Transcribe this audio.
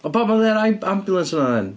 Ond pam bod 'na rai- ambiwlans yna dden?